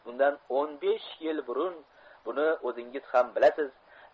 bundan o'n besh yil burun buni o'zingiz ham bilasiz